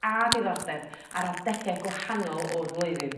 a diddordeb ar adege gwahanol o'r flwyddyn.